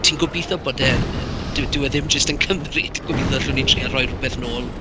Ti'n gobeithio bod e dyw dyw e ddim jyst yn cymryd, gobeithio allwn ni drial rhoi rywbeth nôl.